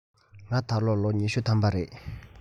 ང ད ལོ ལོ ཉི ཤུ ཐམ པ རེད